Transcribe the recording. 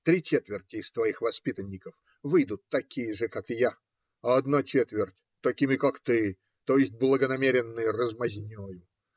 Три четверти из твоих воспитанников выйдут такие же, как я, а одна четверть такими, как ты, то есть благонамеренной размазнею.